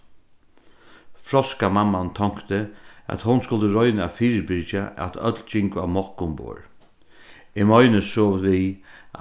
froskamamman tonkti at hon skuldi royna at fyribyrgja at øll gingu amokk umborð eg meini so við